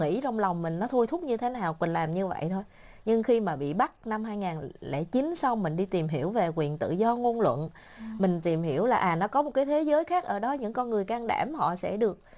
nghĩ trong lòng mình nó thôi thúc như thế nào làm như vậy thôi nhưng khi mà bị bắt năm hai ngàn lẻ chín sau mình đi tìm hiểu về quyền tự do ngôn luận mình tìm hiểu là à nó có một cái thế giới khác ở đó những con người can đảm họ sẽ được